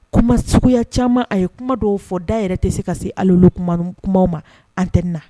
Kuma suguya caaman, a ye kuma dɔw fɔ da yɛrɛ tɛ se ka se hali olu kumaw ma antenne na